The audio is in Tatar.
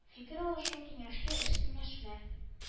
Фикер алышу киңәшле эш киңәшмә